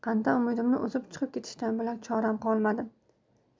qanddan umidimni uzib chiqib ketishdan bo'lak choram qolmadi